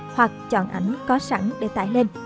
hoặc chọn ảnh có sẵn để tải lên